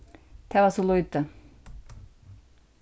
tað var so lítið